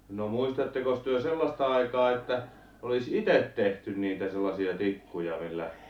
no muistattekos te sellaista aikaa että olisi itse tehty niitä sellaisia tikkuja millä